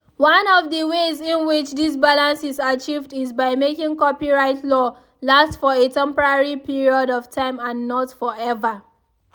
One of the ways in which this balance is achieved is by making copyright law last for a temporary period of time and not forever.